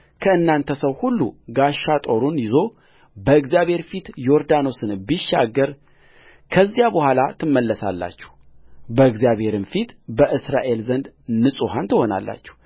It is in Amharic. ከእናንተ ሰው ሁሉ ጋሻ ጦሩን ይዞ በእግዚአብሔር ፊት ዮርዳኖስን ቢሻገርከዚያ በኋላ ትመለሳላችሁ በእግዚአብሔርም ፊት በእስራኤል ዘንድ ንጹሐን ትሆናላችሁ